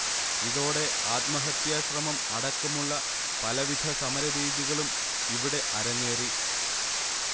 ഇതോടെ ആത്മഹത്യ ശ്രമം അടക്കമുള്ള പലവിധ സമരരീതികളും ഇവിടെ അരങ്ങേറി